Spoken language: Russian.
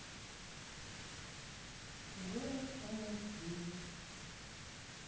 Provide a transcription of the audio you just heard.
город алладин